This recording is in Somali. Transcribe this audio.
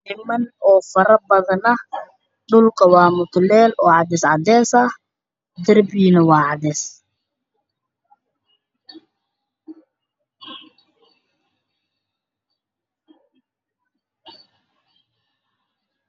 Waa niman oo faro badan , dhulka waa mutuleel cadeys ah, darbiga waa cadaan.